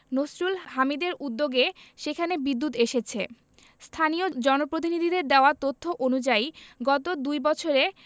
নসরুল হামিদদের উদ্যোগে সেখানে বিদ্যুৎ এসেছে স্থানীয় জনপ্রতিনিধিদের দেওয়া তথ্য অনুযায়ী গত দুই বছরে